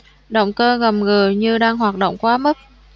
động cơ gầm gừ như đang hoạt động quá mức